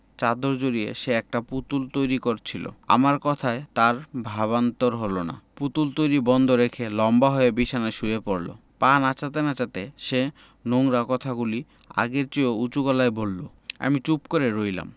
চাদর জড়িয়ে সে একটা পুতুল তৈরি করছিলো আমার কথায় তার ভাবান্তর হলো না পুতুল তৈরী বন্ধ রেখে লম্বা হয়ে বিছানায় শুয়ে পড়লো পা নাচাতে নাচাতে সেই নোংরা কথাগুলি আগের চেয়েও উচু গলায় বললো আমি চুপ করে রইলাম